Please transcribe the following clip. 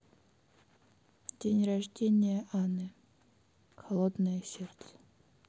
день рождения анны холодное сердце